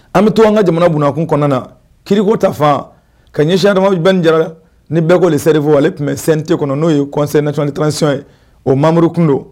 An bɛ to an ka jamana bunakun kɔnɔna na, kiiri ko ta fan ka ɲɛsin Adama Bɛn Jara ni bɛɛ ko le cerveau ale tun bɛ CNT kɔnɔ n'o ye kɔ conseil national de la transition ye o membre kun don.